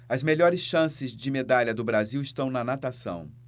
as melhores chances de medalha do brasil estão na natação